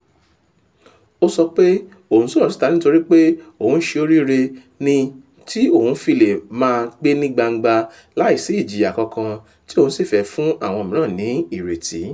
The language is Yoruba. Ọ sọ pé òun sọ̀rọ̀ síta nítorípé òun ṣe oríire ni tí òun fi le máa gbé ní gbangba láìsí ìjìyà kankan tí òwun sì fẹ́ fún àwọn míràn ní “ìrètí.”